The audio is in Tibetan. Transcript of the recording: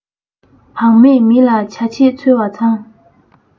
བག མེད མི ལ བྱ བྱེད འཚོལ བ མཚང